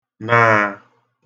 naā